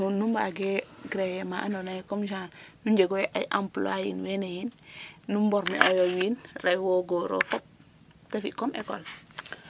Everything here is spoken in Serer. nuun nu mbaage creer ma andoona yee comme genre nu njegooyo ay emploie yin wene yin nu mborme'ooyo wiin rew wo goor ro fop ta fi' comme école